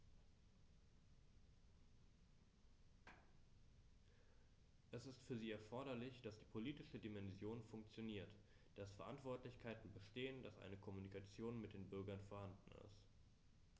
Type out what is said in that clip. Es ist für sie erforderlich, dass die politische Dimension funktioniert, dass Verantwortlichkeiten bestehen, dass eine Kommunikation mit den Bürgern vorhanden ist.